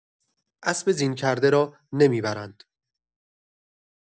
اسب زین کرده را نمی‌برند!